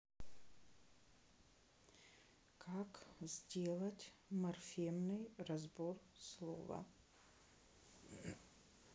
как сделать морфемный разбор слова